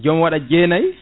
jomum waɗa jeenayyi